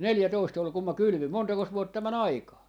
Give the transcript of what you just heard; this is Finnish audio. neljätoista oli kun minä kylvin montakos vuotta meni aikaa